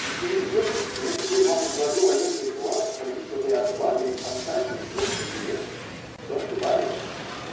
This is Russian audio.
Если вы ждете, что я теперь вам изложу военный план, проникнутый отвагой и фантазией двадцати лет, то ошибаетесь.